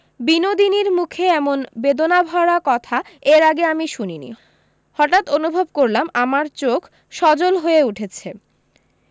বিনোদিনীর মুখে এমন বেদনাভরা কথা এর আগে আমি শুনিনি হঠাত অনুভব করলাম আমার চোখ সজল হয়ে উঠেছে